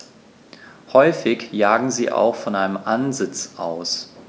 Häufig jagen sie auch von einem Ansitz aus.